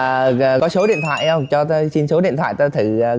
và có số điện thoại không cho tôi xin số điện thoại tôi thử